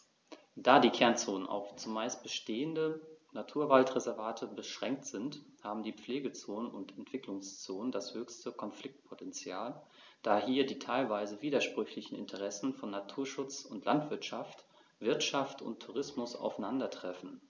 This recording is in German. Da die Kernzonen auf – zumeist bestehende – Naturwaldreservate beschränkt sind, haben die Pflegezonen und Entwicklungszonen das höchste Konfliktpotential, da hier die teilweise widersprüchlichen Interessen von Naturschutz und Landwirtschaft, Wirtschaft und Tourismus aufeinandertreffen.